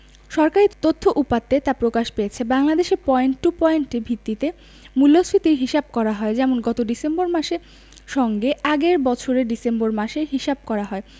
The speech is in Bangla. সরকারি তথ্য উপাত্তে তা প্রকাশ পেয়েছে বাংলাদেশে পয়েন্ট টু পয়েন্ট ভিত্তিতে মূল্যস্ফীতির হিসাব করা হয় যেমন গত ডিসেম্বর মাসের সঙ্গে আগের বছরের ডিসেম্বর মাসের হিসাব করা হয়